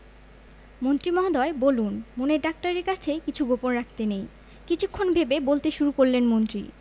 মন্ত্রী মহোদয় বলুন মনের ডাক্তারের কাছে কিছু গোপন রাখতে নেই কিছুক্ষণ ভেবে বলতে শুরু করলেন মন্ত্রী